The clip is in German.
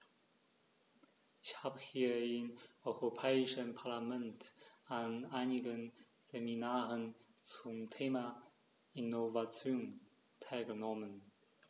Ich habe hier im Europäischen Parlament an einigen Seminaren zum Thema "Innovation" teilgenommen.